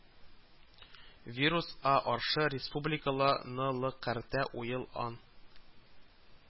Вирус а аршы республикала ны лы кәртә уйыл ан